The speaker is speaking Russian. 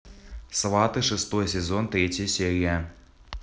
сваты шестой сезон третья серия